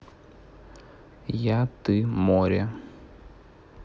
я ты море